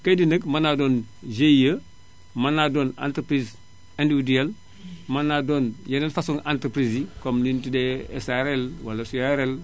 kayit yi nag mën naa doon GIE mën naa doon entreprise individuelle mën naa doon yeneen façon entreprise yi comme li ñu tuddee SARL wala SUARL